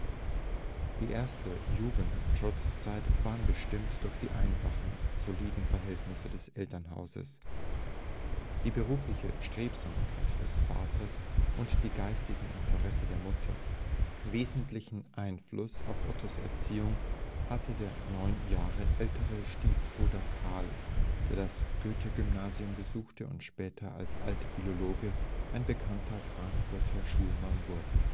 Die erste Jugend - und Schulzeit waren bestimmt durch die einfachen, soliden Verhältnisse des Elternhauses, die berufliche Strebsamkeit des Vaters und die geistigen Interessen der Mutter. Wesentlichen Einfluss auf Ottos Erziehung hatte der 9 Jahre ältere Stiefbruder Karl, der das Goethe-Gymnasium besuchte und später als Altphilologe ein bekannter Frankfurter Schulmann wurde